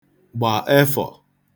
gbà efọ̀